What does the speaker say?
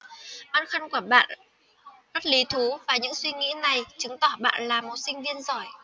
băn khoăn của bạn rất lý thú và những suy nghĩ này chứng tỏ bạn là một sinh viên giỏi